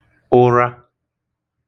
ụra